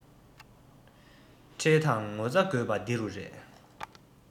ཁྲེལ དང ངོ ཚ དགོས པ འདི རུ རེད